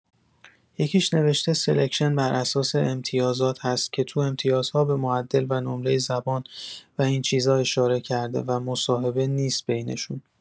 یکیش نوشته سلکشن بر اساس امتیازات هست که تو امتیازها به معدل و نمره زبان و این چیزا اشاره کرده و مصاحبه نیست بینشون.